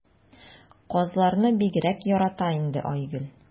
Казларны бигрәк ярата инде Айгөл.